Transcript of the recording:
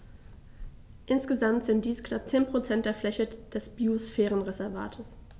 Insgesamt sind dies knapp 10 % der Fläche des Biosphärenreservates.